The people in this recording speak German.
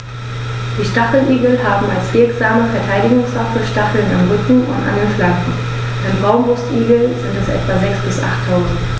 Die Stacheligel haben als wirksame Verteidigungswaffe Stacheln am Rücken und an den Flanken (beim Braunbrustigel sind es etwa sechs- bis achttausend).